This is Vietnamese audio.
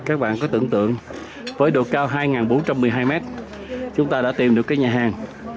các bạn cứ tưởng tượng với độ cao hai ngàn bốn trăm mười hai mét chúng ta đã tìm được cái nhà hàng